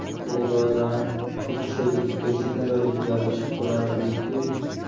bug'doyrang kulcha yuziga shunday yarashib tushar ediki